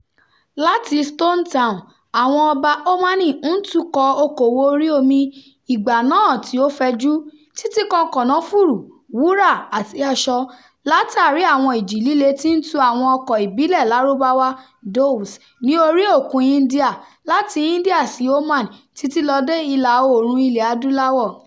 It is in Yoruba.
Láti Stone Town, àwọn ọba Omani ń tukọ̀ọ okòwò orí omi ìgbà náà tí ó fẹjú, títí kan kànáfùrù, wúrà, àti aṣọ , látàrí àwọn ìjì líle tí ń tu àwọn ọkọ̀ ìbílẹ̀ẹ Lárúbáwáa — dhows — ní oríi Òkun Indian, láti India sí Oman títí lọ dé Ìlà-Oòrùn Ilẹ̀ Adúláwọ̀.